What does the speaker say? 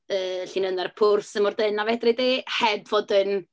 yy llinynau'r pwrs mor dynn a fedri di, heb fod yn...